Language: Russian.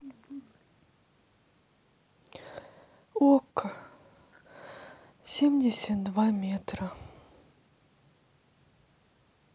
окко семьдесят два метра